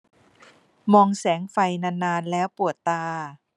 มองแสงไฟนานนานแล้วปวดตา